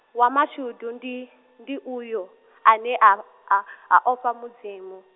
wa mashudu ndi, ndi uyo, ane aw- a a ofha Mudzimu.